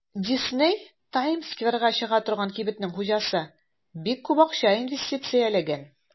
Дисней (Таймс-скверга чыга торган кибетнең хуҗасы) бик күп акча инвестицияләгән.